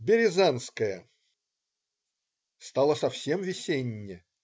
Березанская Стало совсем весенне.